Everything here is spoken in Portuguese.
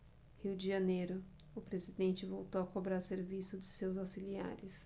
rio de janeiro o presidente voltou a cobrar serviço de seus auxiliares